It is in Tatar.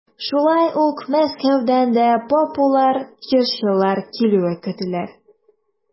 Шулай ук Мәскәүдән дә популяр җырчылар килүе көтелә.